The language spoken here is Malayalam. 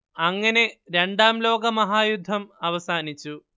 അങ്ങനെ രണ്ടാം ലോകമഹായുദ്ധം അവസാനിച്ചു